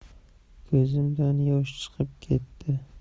ko'zimdan yosh chiqib ketdi